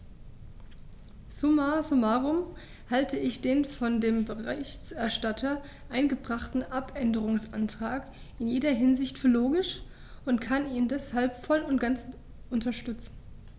Summa summarum halte ich den von dem Berichterstatter eingebrachten Abänderungsantrag in jeder Hinsicht für logisch und kann ihn deshalb voll und ganz unterstützen.